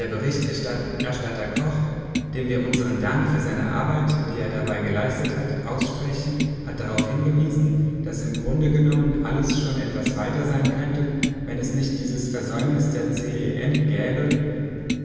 Der Berichterstatter Koch, dem wir unseren Dank für seine Arbeit, die er dabei geleistet hat, aussprechen, hat darauf hingewiesen, dass im Grunde genommen alles schon etwas weiter sein könnte, wenn es nicht dieses Versäumnis der CEN gäbe,